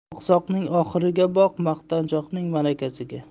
oqsoqning oxiriga boq maqtanchoqning ma'rakasiga